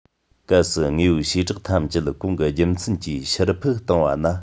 གལ སྲིད དངོས པོའི བྱེ བྲག ཐམས ཅད གོང གི རྒྱུ མཚན གྱིས ཕྱིར ཕུད བཏང བ ན